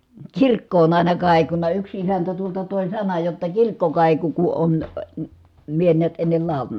kirkko on aina kaikunut yksi isäntä tuolta toi sanan jotta kirkko kaikui kun on minä näet ennen laulanut